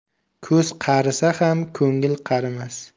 ko'z qarisa ham ko'ngil qarimas